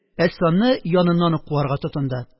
Әсфанны яныннан ук куарга тотынды